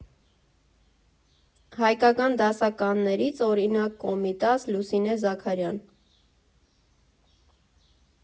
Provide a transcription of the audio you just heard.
Հայկական դասականներից, օրինակ՝ Կոմիտաս, Լուսինե Զաքարյան։